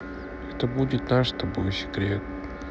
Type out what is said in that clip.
это будет наш с тобой секрет